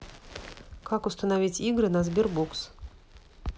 как установить игры на sberbox